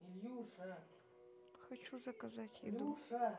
хочу заказать еду